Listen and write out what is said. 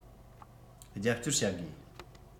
རྒྱབ སྐྱོར བྱ དགོས